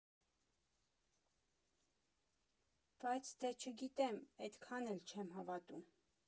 Բայց դե չգիտեմ, էդքան էլ չեմ հավատում։